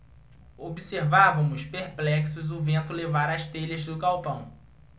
observávamos perplexos o vento levar as telhas do galpão